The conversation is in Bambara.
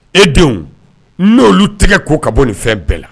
E denw n'oolu tɛgɛ ko ka bɔ nin fɛn bɛɛ la